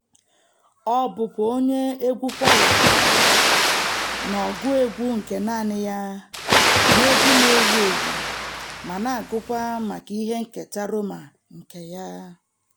Ọ bụkwa onye egwu kwaya na ọgụ egwu nke naanị ya n'egwu na-ewu ewu ma na-agụkwa maka ihe nketa Roma nke ya.